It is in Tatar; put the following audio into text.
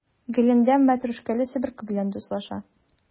Гөләндәм мәтрүшкәле себерке белән дуслаша.